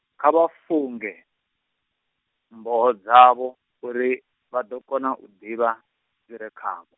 kha vha funge, mboho dzavho, uri, vha ḓo kona u ḓivha, dzire dzavho.